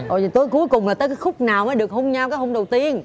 ồ dậy tới cuối cùng là tới cái khúc nào mới được hôn nhau cái hôm đầu tiên